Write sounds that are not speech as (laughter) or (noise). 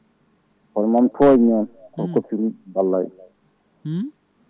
kono mami tooñ noon (smacks lips) kono coxeur uji ɗi ballani (smacks lips)